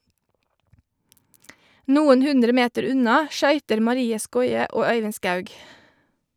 Noen hundre meter unna skøyter Marie Skoie og Øyvind Skaug.